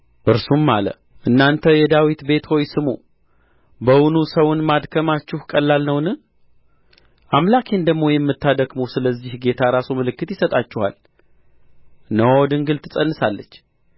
እርሱም አለ እናንተ የዳዊት ቤት ሆይ ስሙ በውኑ ሰውን ማድከማችሁ ቀላል ነውን አምላኬን ደግሞ የምታደክሙ ስለዚህ ጌታ ራሱ ምልክት ይሰጣችኋል እነሆ ድንግል ትፀንሳለች